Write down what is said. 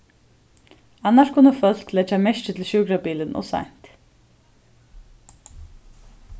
annars kunnu fólk leggja merki til sjúkrabilin ov seint